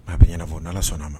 A bɛ ɲɛna fɔ u' ala sɔnna a ma